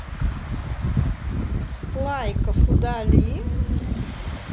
лайков удали